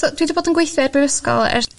So dwi 'di bod yn gweithio i'r Brifysgol ers